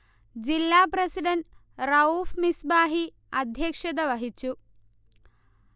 ജില്ല പ്രസിഡൻറ് റഊഫ് മിസ്ബാഹി അധ്യക്ഷത വഹിച്ചു